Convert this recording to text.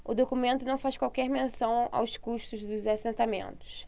o documento não faz qualquer menção aos custos dos assentamentos